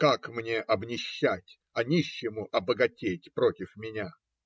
Как мне обнищать и нищему обогатеть против меня?